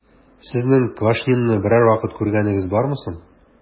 Сезнең Квашнинны берәр вакыт күргәнегез бармы соң?